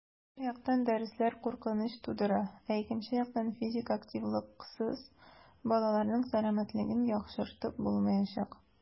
Бер яктан, дәресләр куркыныч тудыра, ә икенче яктан - физик активлыксыз балаларның сәламәтлеген яхшыртып булмаячак.